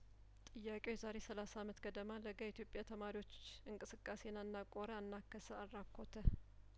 ጥያቄው የዛሬ ሰላሳ አመት ገደማ ለጋ የኢትዮጵያ ተማሪዎች እንቅስቃሴን አናቆረ አናከሰ አራኮተ